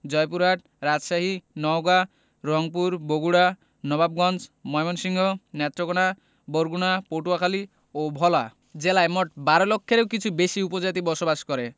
জয়পুরহাট রাজশাহী নওগাঁ রংপুর বগুড়া নবাবগঞ্জ ময়মনসিংহ নেত্রকোনা বরগুনা পটুয়াখালী ও ভোলা জেলায় মোট ১২ লক্ষের কিছু বেশি উপজাতি বসবাস করে